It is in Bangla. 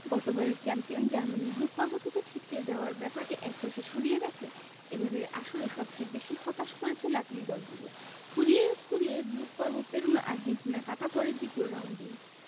গতবারের চ্যাম্পিয়ন জার্মানির গ্রুপপর্ব থেকে ছিটকে যাওয়ার ব্যাপারটি একপাশে সরিয়ে রাখলে এবারের আসরে সবচেয়ে বেশি হতাশ করেছে লাতিন দলগুলো খুঁড়িয়ে খুঁড়িয়ে গ্রুপপর্ব পেরনো আর্জেন্টিনা কাটা পড়ে দ্বিতীয় রাউন্ডেই